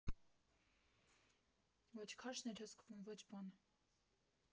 Ոչ քաշն էր հսկվում, ոչ բան։